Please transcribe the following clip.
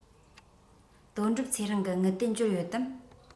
དོན གྲུབ ཚེ རིང གི དངུལ དེ འབྱོར ཡོད དམ